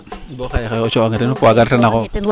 bo xaye o coxange o ten wo fa xooxof waaga reta na xoxof